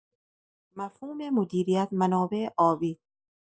مفهوم مدیریت منابع آبی